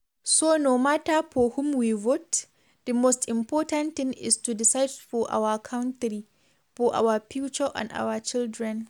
So no matter for whom we vote, the most important thing is to decide for our country, for our future and our children.